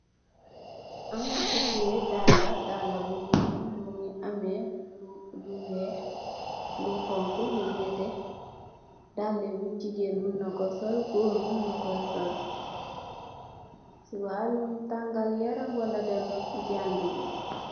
Amna ku tiye daala daal bu nuul mongi ame lu weex lu xonxu lu nete daala bi jigéen mung nako sol goor muna ko sol si walum tangal yaram wala de jange gi.